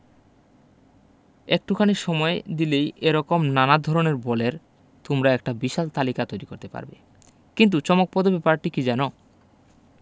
একটুখানি সময় দিলেই এ রকম নানা ধরনের বলের তোমরা একটা বিশাল তালিকা তৈরি করতে পারবে কিন্তু চমকপদ ব্যাপারটি কী জানো